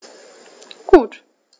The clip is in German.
Gut.